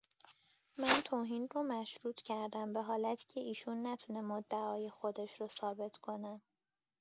من توهین رو مشروط کردم به حالتی که ایشون نتونه مدعای خودش رو ثابت کنه